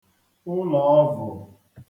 ụ̀lọ̀ọvụ̀